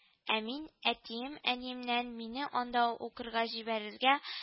Ә мин әтием, әниемнән мине анда укырга җибәрергә